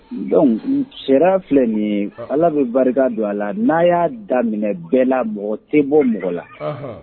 Don sɛ filɛ nin ala bɛ barika don a la n'a y'a daminɛ bɛɛ la mɔgɔ tɛ bɔ mɔgɔ la